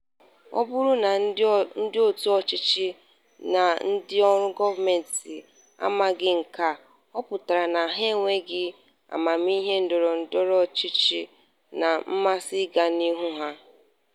Ọ bụrụ na ndị òtù ọchịchị na ndịọrụ gọọmentị amaghị nke a, ọ pụtara na ha enweghị amamiihe ndọrọndọrọ ọchịchị na mmasị ọganihu ha.